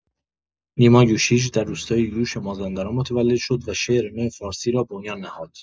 نیما یوشیج در روستای یوش مازندران متولد شد و شعر نو فارسی را بنیان نهاد.